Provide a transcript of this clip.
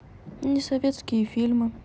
не советские фильмы